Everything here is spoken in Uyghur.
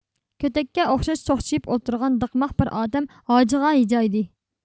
كۆتەككە ئوخشاش چوخچىيىپ ئولتۇرغان دىقماق بىر ئادەم ھاجىغا ھىجايدى